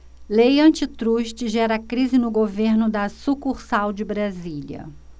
lei antitruste gera crise no governo da sucursal de brasília